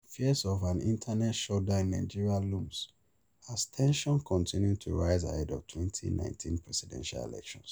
Fears of an internet shutdown in Nigeria looms as tensions continue to rise ahead of 2019 presidential elections.